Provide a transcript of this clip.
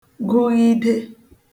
gụghide